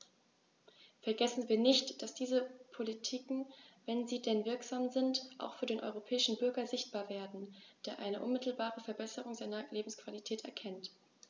Vergessen wir nicht, dass diese Politiken, wenn sie denn wirksam sind, auch für den europäischen Bürger sichtbar werden, der eine unmittelbare Verbesserung seiner Lebensqualität erkennt!